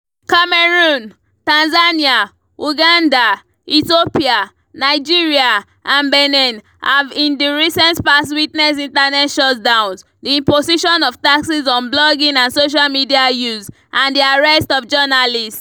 Cameroon, Tanzania, Uganda, Ethiopia, Nigeria, and Benin have in the recent past witnessed internet shutdowns, the imposition of taxes on blogging and social media use, and the arrest of journalists.